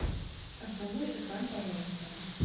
основной экран пожалуйста